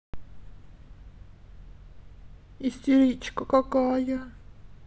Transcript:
истеричка какая